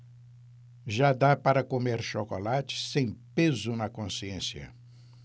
já dá para comer chocolate sem peso na consciência